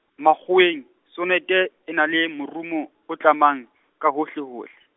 makgoweng, sonete e na le, morumo, o tlamang, ka hohlehohle.